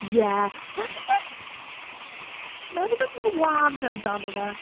Ie. Ma' rhywbeth ma' rhywbeth mor wan amdano fe.